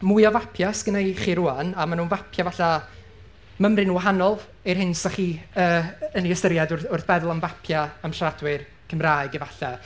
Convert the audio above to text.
Mwy o fapiau sy gynna i i chi rŵan, a maen nhw'n fapiau falle mymryn yn wahanol i'r hyn 'sa chi yy yn ei ystyried wrth wrth feddwl am fapiau am siaradwyr Cymraeg efalla